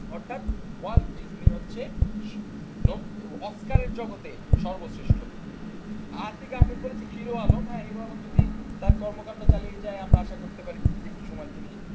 অর্থাৎ Walt Disney হচ্ছে অস্কারের জগতের সর্বশ্রেষ্ঠ আতিক আহ্মেদ বলেছে হিরো আলম হিরো হ্যাঁ হিরো আলম যদি তার কর্মকাণ্ড চালিয়ে যা আমরা আশা করতে পারি যে তিনি